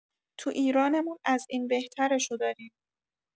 تو ایرانمون از این بهترشو داریم